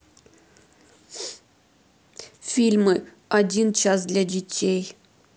мультфильмы один час для детей